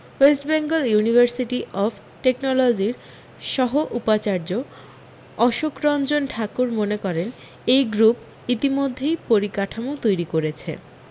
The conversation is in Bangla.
ওয়েস্ট বেঙ্গল ইউনিভার্সিটি অফ টেকনোলজির সহ উপাচার্য অশোকরঞ্জন ঠাকুর মনে করেন এই গ্রুপ ইতিমধ্যেই পরিকাঠামো তৈরী করেছে